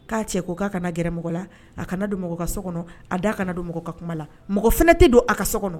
K'a cɛ ko k'a kana gɛrɛ mɔgɔ la a kana don mɔgɔ ka so kɔnɔ a da' a kana don mɔgɔ ka kuma la mɔgɔ fana tɛ don a ka so kɔnɔ